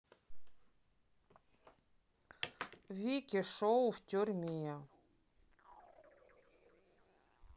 вики шоу в тюрьме